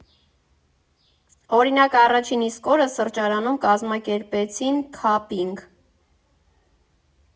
Օրինակ, առաջին իսկ օրը սրճարանում կազմակերպեցին քափինգ.